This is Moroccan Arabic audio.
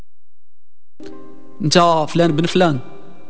جا فلان بن فلان